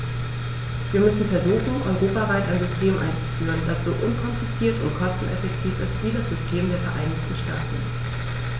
Wir müssen versuchen, europaweit ein System einzuführen, das so unkompliziert und kosteneffektiv ist wie das System der Vereinigten Staaten.